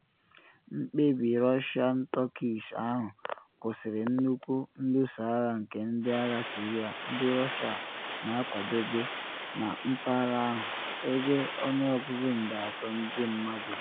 Mkpebi Russian-Turkish ahụ kwụsịrị nnukwu nluso agha nke ndị agha Syria ndị Russia na akwadobe na mpaghara ahụ, ebe ọnụọgụ nde 3 ndị mmadu bi.